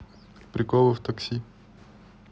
приколы в такси